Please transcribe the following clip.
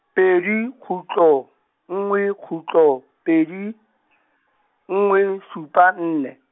pedi kgutlo, nngwe kgutlo pedi , nngwe supa nne.